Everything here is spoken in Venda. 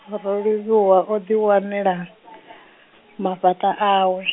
Rolivhuwa odi wanela, mafhaṱa awe .